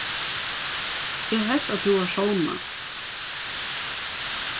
eg helt at tú vart sovnað